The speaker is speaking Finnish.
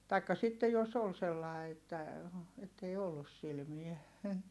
tai sitten jos oli sellainen että että ei ollut silmää